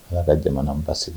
Ala ka jamana basigi